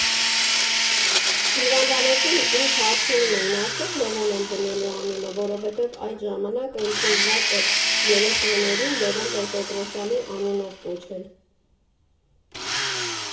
Հիվանդանոցում ինձ հարցնում էին՝ արդյոք Լևոն եմ դնելու անունը, որովհետև այդ ժամանակ ընդունված էր երեխաներին Լևոն Տեր֊Պետրոսյանի անունով կոչել։